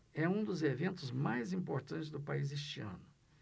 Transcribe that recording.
é um dos eventos mais importantes do país este ano